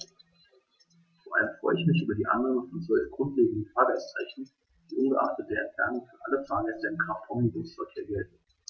Vor allem freue ich mich über die Annahme von 12 grundlegenden Fahrgastrechten, die ungeachtet der Entfernung für alle Fahrgäste im Kraftomnibusverkehr gelten.